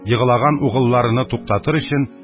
Еглаган угылларыны туктатыр өчен,